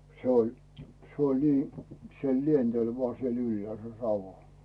se oli se oli niin se lenteli vain siellä ylhäällä savu